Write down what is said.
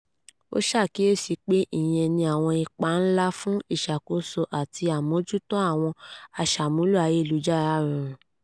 Ó ṣe àkíyèsí pé, "Ìyẹn ní àwọn ipa ńlá fún ìṣàkóso àti àmójútó àwọn amúṣàmúlò ayélujára rọrùn."